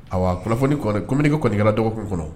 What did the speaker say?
A kunnafoni ko ka kɔnitigɛ kɛra dɔgɔkun kɔnɔ